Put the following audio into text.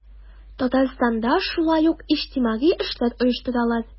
Татарстанда шулай ук иҗтимагый эшләр оештыралар.